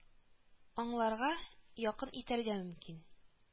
Аңларга, якын итәргә мөмкин